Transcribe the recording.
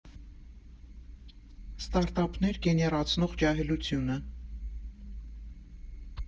Ստարտափներ գեներացնող ջահելությունը։